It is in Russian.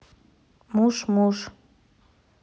муж муж